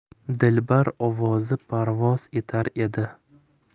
dilbar ovozi parvoz etar edi